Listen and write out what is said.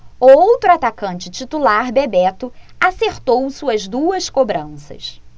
o outro atacante titular bebeto acertou suas duas cobranças